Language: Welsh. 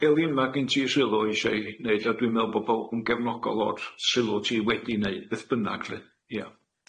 Elin ma' gen ti sylw ishe'i neud a dwi'n me'wl bo bowb yn gefnogol o'r sylw ti wedi neud beth bynnag lly ia.